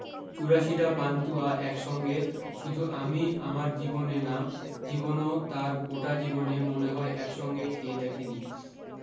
চুরাশিটা পান্তুয়া এক সঙ্গে শুধু আমি আমার জীবনে না জীবনও তার গোটা জীবনে মনে হয় একসঙ্গে খেয়ে দেখে নি